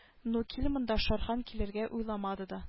Ну кил монда шархан килергә уйламады да